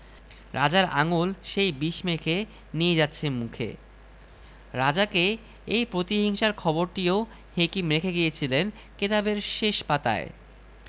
আমার বেদনাটা সেইখানে বাঙালী যদি হটেনটট হত তবে কোন দুঃখ ছিল না এরকম অদ্ভুত সংমিশ্রণ আমি ভূ ভারতে কোথাও দেখি নি